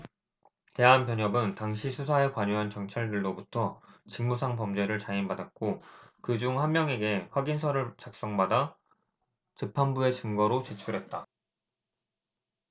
대한변협은 당시 수사에 관여한 경찰들로부터 직무상범죄를 자인받았고 그 중 한 명에게 확인서를 작성받아 재판부에 증거로 제출했다